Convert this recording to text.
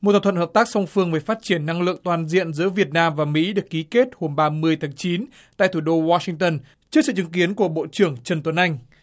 một thỏa thuận hợp tác song phương về phát triển năng lượng toàn diện giữa việt nam và mỹ được ký kết hôm ba mươi tháng chín tại thủ đô oa sinh tơn trước sự chứng kiến của bộ trưởng trần tuấn anh